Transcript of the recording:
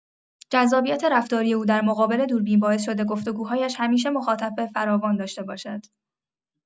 جذابیت رفتاری او در مقابل دوربین باعث شده گفت‌وگوهایش همیشه مخاطب فراوان داشته باشد.